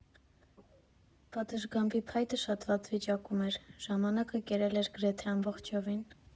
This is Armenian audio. «Պատշգամբի փայտը շատ վատ վիճակում էր, ժամանակը կերել էր գրեթե ամբողջովին։